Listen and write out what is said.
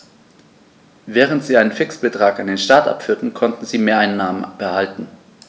Während sie einen Fixbetrag an den Staat abführten, konnten sie Mehreinnahmen behalten.